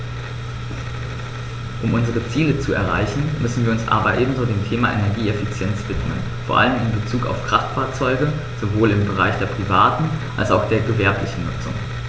Um unsere Ziele zu erreichen, müssen wir uns aber ebenso dem Thema Energieeffizienz widmen, vor allem in Bezug auf Kraftfahrzeuge - sowohl im Bereich der privaten als auch der gewerblichen Nutzung.